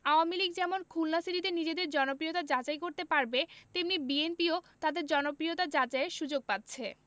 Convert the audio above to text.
Awami League যেমন খুলনা সিটিতে নিজেদের জনপ্রিয়তা যাচাই করতে পারবে তেমনি বিএনপিও তাদের জনপ্রিয়তা যাচাইয়ের সুযোগ পাচ্ছে